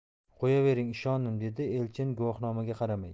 qo'yavering ishondim dedi elchin guvohnomaga qaramay